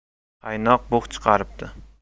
qaynoq bug' chiqaribdi